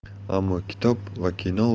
ammo kitob va kino